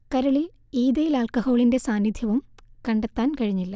കരളിൽ ഈഥയിൽ ആൽക്കഹോളിന്റെ സാന്നിധ്യവും കണ്ടെത്താൻ കഴിഞ്ഞില്ല